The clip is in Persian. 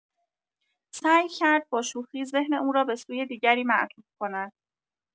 سعی کرد با شوخی ذهن او را به سوی دیگری معطوف کند.